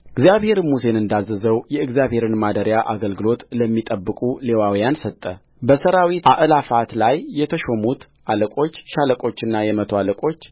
እግዚአብሔርም ሙሴን እንዳዘዘው የእግዚአብሔርን ማደሪያ አገልግሎት ለሚጠብቁ ሌዋውያን ሰጠበሠራዊት አእላፋት ላይ የተሾሙት አለቆች ሻለቆችና የመቶ አለቆች